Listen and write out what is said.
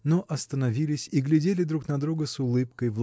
но остановились и глядели друг на друга с улыбкой